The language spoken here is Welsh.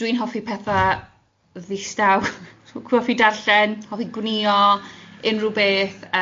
dwi'n hoffi petha' ddistaw hoffi darllen, hoffi gwnïo, unrhyw beth